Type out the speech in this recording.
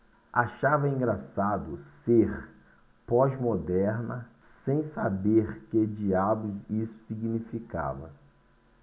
achava engraçado ser pós-moderna sem saber que diabos isso significava